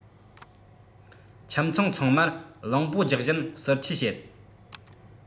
ཁྱིམ ཚང ཚང མར རླུང པོ རྒྱག བཞིན བསིལ ཆས བྱེད